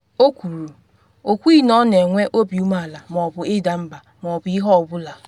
O kwuru “o kwughi na ọ na enwe obi umeala ma ọ bụ ịda mba ma ọ bụ ihe ọ bụla,”.